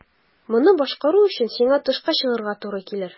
Моны башкару өчен сиңа тышка чыгарга туры килер.